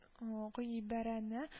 Ы гыйбәрәне